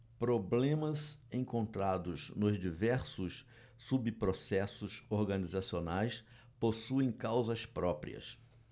problemas encontrados nos diversos subprocessos organizacionais possuem causas próprias